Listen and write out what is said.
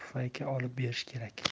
pufayka olib berish kerak